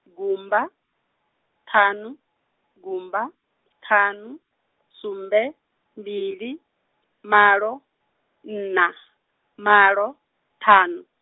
gumba, ṱhanu, gumba, ṱhanu, sumbe, mbili, malo, nṋa, malo, ṱhanu.